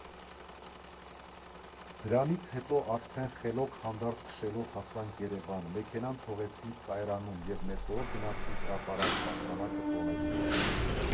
Դրանից հետո արդեն խելոք֊հանդարտ քշելով հասանք Երևան, մեքենան թողեցինք Կայարանում և մետրոյով գնացինք հրապարակ՝ հաղթանակը տոնելու։